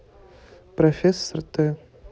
профессор т